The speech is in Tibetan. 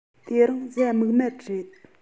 དེ རིང གཟའ མིག དམར རེད